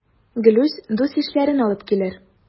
Гелүс дус-ишләрен алып килер.